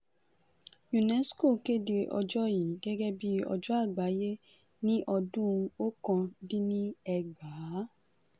UNESCO kéde ọjọ́ yìí gẹ́gẹ́ bíi Ọjọ́ Àgbáyé ní ọdún 1999.